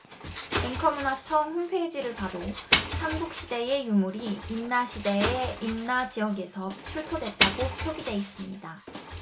앵커 문화청 홈페이지를 봐도 삼국시대의 유물이 임나시대에 임나지역에서 출토됐다고 표기돼 있습니다